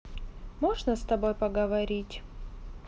можно с тобой поговорить